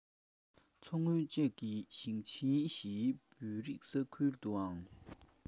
མཚོ སྔོན བཅས ཞིང ཆེན བཞིའི བོད རིགས ས ཁུལ དུའང